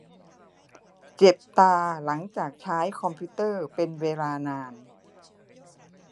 เจ็บตาหลังจากใช้คอมพิวเตอร์เป็นเวลานาน